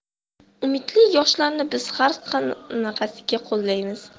umidli yoshlarni biz har qanaqasiga qo'llaymiz